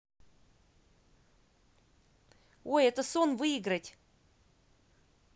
ой это сон выиграть